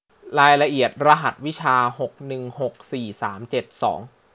รายละเอียดรหัสวิชาหกหนึ่งหกสี่สามเจ็ดสอง